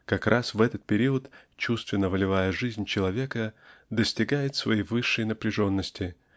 как раз в этот период чувственно-волевая жизнь человека достигает своей высшей напряженности